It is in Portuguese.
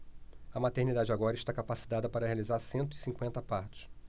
a maternidade agora está capacitada para realizar cento e cinquenta partos